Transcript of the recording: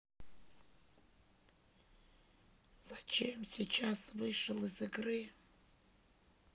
зачем сейчас вышел из игры